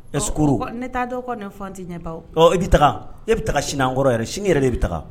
Ne taa dɔw kɔ neti ɲɛ i bɛ taa e bɛ taa sinan kɔrɔ yɛrɛ sini yɛrɛ de bɛ taa